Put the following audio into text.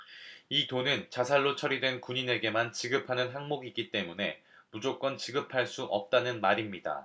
이 돈은 자살로 처리된 군인에게만 지급하는 항목이기 때문에 무조건 지급할 수 없다는 말입니다